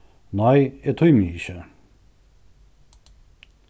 nei eg tími ikki